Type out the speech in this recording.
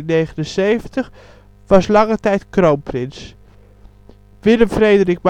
1840-1879), was lange tijd kroonprins Willem Frederik